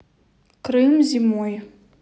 крым зимой